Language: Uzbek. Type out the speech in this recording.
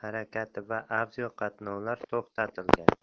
harakati va aviaqatnovlar to'xtatilgan